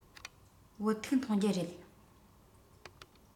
བོད ཐུག འཐུང རྒྱུ རེད